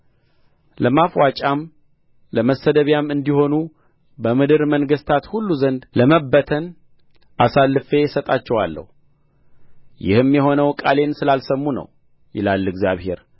ለማፍዋጫም ለመሰደቢያም እንዲሆኑ በምድር መንግሥታት ሁሉ ዘንድ ለመበተን አሳልፌ እሰጣቸዋለሁ ይህም የሆነው ቃሌን ስላልሰሙ ነው ይላል እግዚአብሔር